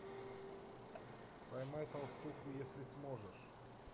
поймай толстуху если сможешь